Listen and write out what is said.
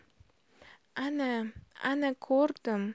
ana ana ko'rdim